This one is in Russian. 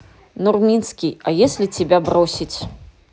нурминский а если тебя бросить